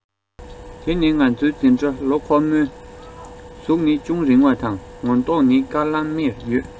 དི ནི ང ཚོ འཛིན གྲྭ ལ ཁོ མོ གཟུགས ནི ཅུང རིང བ དང ངོ མདོག ནི དཀར ལམ མེར ཡོད